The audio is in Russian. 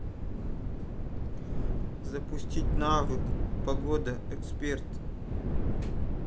запустить навык погода эксперт